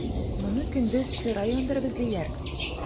Моны көндез чыра яндырып эзлиләр.